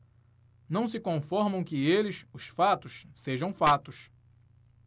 não se conformam que eles os fatos sejam fatos